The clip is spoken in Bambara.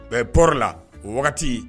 Bɛɛ poro la o wagati